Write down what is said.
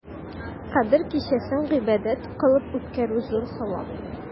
Кадер кичәсен гыйбадәт кылып үткәрү зур савап.